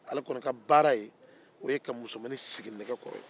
ale kɔni ka baara ya ka musomannin sigi nɛgɛ kɔrɔ